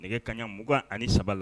Nɛgɛ kaɲa mugan ani saba